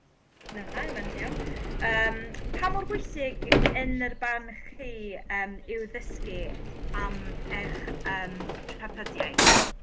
Na mae'n iawn yym pa mor bwysig yn yr barn chi yym i'w ddysgu am eich yym traftadiaeth?